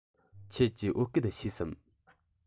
ཁྱེད ཀྱིས བོད སྐད ཤེས སམ